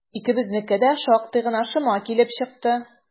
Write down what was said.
Икебезнеке дә шактый гына шома килеп чыкты.